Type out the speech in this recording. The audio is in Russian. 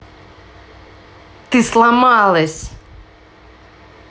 ты сломалась